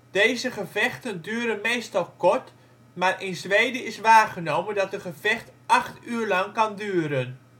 Deze gevechten duren meestal maar kort, maar in Zweden is waargenomen dat een gevecht acht uur lang kan duren